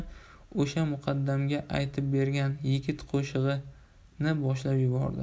o'sha muqaddamga aytib bergan yigit qo'shig'i ni boshlab yubordi